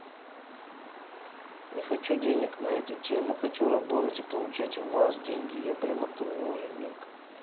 нет хочу денег на эту тему хочу работать и получать у вас деньги я прямо труженик